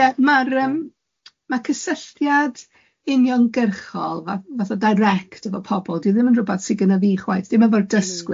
Ie, ma'r yym ma' cysylltiad uniongyrchol fath- fath o direct efo pobl, dyw e ddim yn rywbeth sydd gennyf fi chwaith, dim efo'r... M-hm.